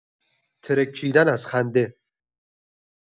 ترکیدن از خنده